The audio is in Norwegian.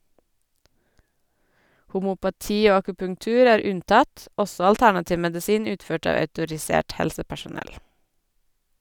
Homøopati og akupunktur er unntatt, også alternativ medisin utført av autorisert helsepersonell.